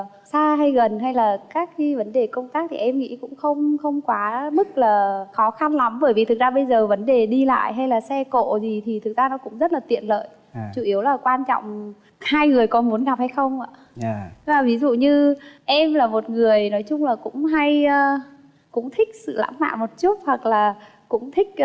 xa hay gần hay là các nghi vấn đề công tác thì em nghĩ cũng không không quá mức là khó khăn lắm bởi vì thực ra bây giờ vấn đề đi lại hay là xe cộ gì thì thực ra nó cũng rất là tiện lợi chủ yếu là quan trọng hai người có muốn gặp hay không nhà ạ ví dụ như em là một người nói chung là cũng hay cũng thích sự lãng mạn một chút hoặc là cũng thích